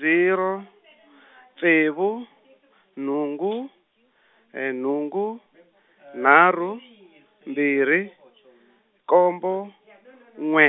zero, tsevu, nhungu, nhungu, nharhu, mbirhi, khombo, n'we,